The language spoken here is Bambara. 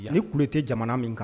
Hali kule tɛ jamana min kan